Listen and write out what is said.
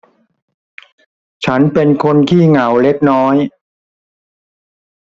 ฉันเป็นคนขี้เหงาเล็กน้อย